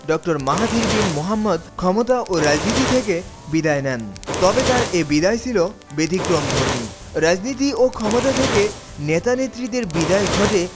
ড Mahathir bin Mohamad ক্ষমতা ও রাজনীতি থেকে বিদায় নেন তবে তার এ বিদায় ছিল ব্যতিক্রম ধর্মী রাজনীতি ও ক্ষমতা থেকে নেতা-নেত্রীদের বিদায় ঘটে